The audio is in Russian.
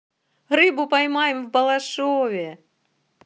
рыбу поймаем в балашове